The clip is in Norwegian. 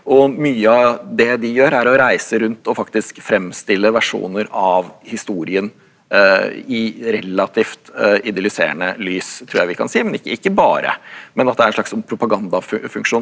og mye av det de gjør er å reise rundt å faktisk fremstille versjoner av historien i relativt idylliserende lys tror jeg vi kan si men ikke ikke bare men at det er en slags propagandafunksjon.